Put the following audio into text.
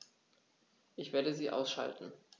Ich werde sie ausschalten